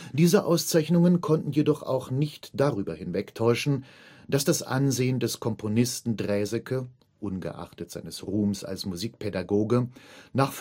Diese Auszeichnungen konnten jedoch auch nicht darüber hinwegtäuschen, dass das Ansehen des Komponisten Draeseke, ungeachtet seines Ruhms als Musikpädagoge, nach